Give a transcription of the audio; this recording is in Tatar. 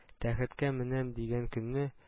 Тәхеткә менәм дигән көнне